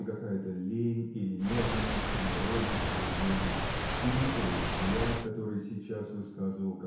и какая-то лень или медленность и неровность движений и матовый взгляд который сейчас высказывал